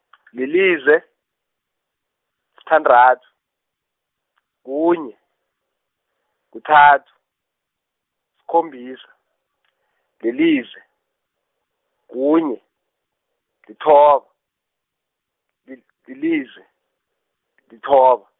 lilize, sithandathu, kunye, kuthathu, sikhombisa, lilize, kunye, lithoba, li- lilize, lithoba.